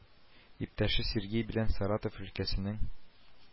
Иптәше сергей белән саратов өлкәсенең